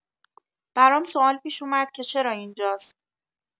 برام سوال پیش اومد که چرا اینجاست؟